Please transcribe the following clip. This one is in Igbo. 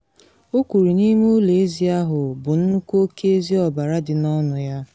O kwuru n’ime ụlọ ezi ahụ bụ nnukwu oke ezi ọbara dị n’ọnụ ya.